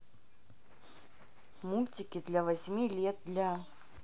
мультики для восьми лет для